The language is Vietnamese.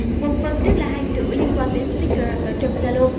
phần rất là hay nữa liên quan đến sticker ở trong zalo